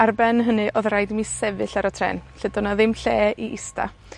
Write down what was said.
Ar ben hynny odd raid i mi sefyll ar y trên. 'Lly do' 'na ddim lle i ista.